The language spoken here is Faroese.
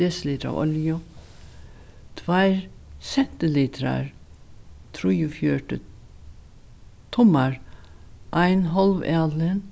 desilitur av olju tveir sentilitrar trýogfjøruti tummar ein hálv alin